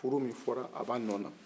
furu min fɔra a ba nɔ na